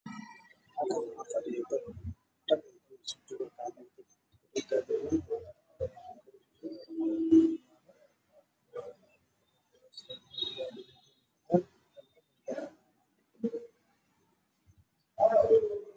Waa meel hool ah niman iyo naago ayaa joogo